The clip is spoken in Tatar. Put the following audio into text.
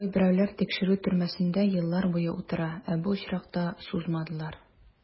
Кайберәүләр тикшерү төрмәсендә еллар буе утыра, ә бу очракта сузмадылар.